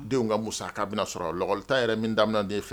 Denw ka mu k'a bɛna sɔrɔ lakɔ taa yɛrɛ min daminɛden filɛ